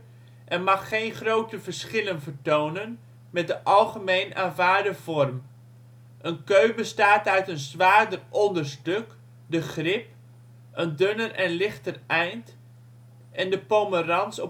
en mag geen grote verschillen vertonen met de algemeen aanvaarde vorm. Een keu bestaat uit een zwaarder onderstuk, de grip, een dunner en lichter eind en de pomerans